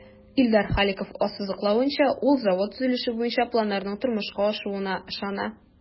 Илдар Халиков ассызыклавынча, ул завод төзелеше буенча планнарның тормышка ашуына ышана.